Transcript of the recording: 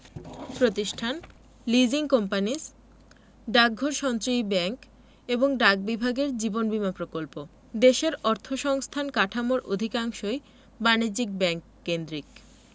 প্রতিষ্ঠান leasing companies ডাকঘর সঞ্চয়ী ব্যাংক এবং ডাক বিভাগের জীবন বীমা প্রকল্প দেশের অর্থসংস্থান কাঠামোর অধিকাংশই বাণিজ্যিক ব্যাংক কেন্দ্রিক